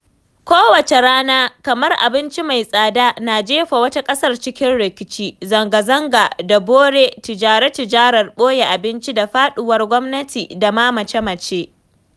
Kowace rana kamar abinci mai tsada na jefa wata ƙasar cikin rikici: zangazanga da bore ji-ta-ji-tar ɓoye abinci da faɗuwar gwamnati da ma mace-mace.